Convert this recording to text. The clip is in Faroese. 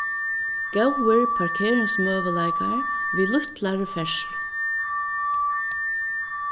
góðir parkeringsmøguleikar við lítlari ferðslu